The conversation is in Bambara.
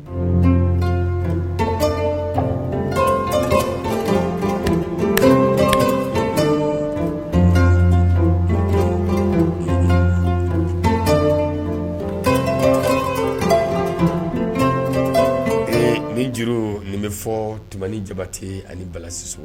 Ni juru nin bɛ fɔ ti ni jabate ani bala so